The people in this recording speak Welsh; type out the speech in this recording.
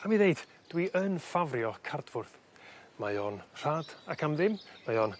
rhai' mi ddeud dwi yn ffafrio cardfwrdd. Mae o'n rhad ac am ddim, mae o'n